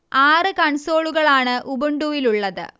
ആറ് കൺസോളുകളാണ് ഉബുണ്ടുവിലുള്ളത്